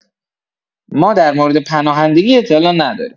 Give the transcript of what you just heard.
ما در مورد پناهندگی اطلاع نداریم.